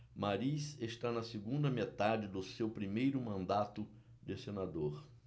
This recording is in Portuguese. mariz está na segunda metade do seu primeiro mandato de senador